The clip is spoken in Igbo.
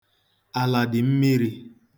Ala dị mmiri.